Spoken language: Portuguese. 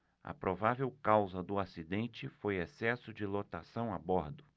a provável causa do acidente foi excesso de lotação a bordo